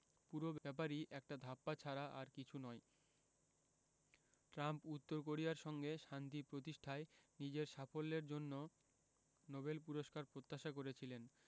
পুরো ব্যাপারই একটা ধাপ্পা ছাড়া আর কিছু নয় ট্রাম্প উত্তর কোরিয়ার সঙ্গে শান্তি প্রতিষ্ঠায় নিজের সাফল্যের জন্য নোবেল পুরস্কার প্রত্যাশা করেছিলেন